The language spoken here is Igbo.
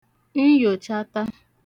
nyòchata